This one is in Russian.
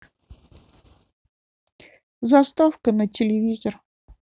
заставка на телевизор